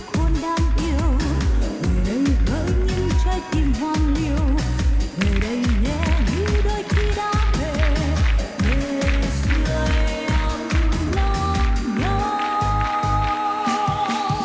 hôn đang yêu về đây hỡi nhưng trái tim hoang liêu về đây nhé như đôi khi đã về về sưởi ấm lòng nhau